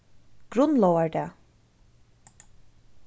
grundlógardag